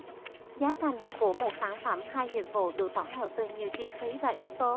giá thành của một sản phẩm hay dịch vụ được tổng hợp từ nhiều chi phí và yếu tố